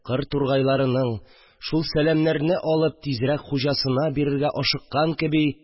Кыр тургайларының, шул сәламнәрне алып тизрәк хуҗасына бирергә ашыккан кеби